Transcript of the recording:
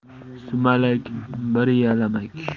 sumalak bir yalamak